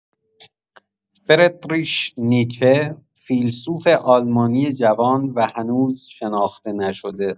فردریش نیچه، فیلسوف آلمانی جوان و هنوز شناخته نشده